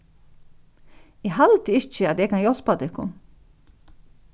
eg haldi ikki at eg kann hjálpa tykkum